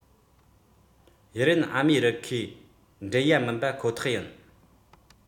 དབྱི རན ཨ མེ རི ཁའི འགྲན ཡ མིན པ ཁོ ཐག ཡིན